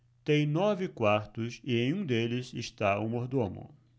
tem nove quartos e em um deles está o mordomo